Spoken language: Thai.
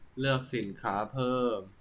เลือกสินค้าเพิ่ม